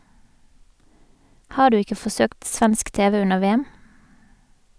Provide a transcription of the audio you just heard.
Har du ikke forsøkt svensk TV under VM?